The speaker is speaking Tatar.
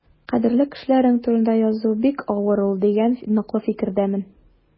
Кадерле кешеләрең турында язу бик авыр ул дигән ныклы фикердәмен.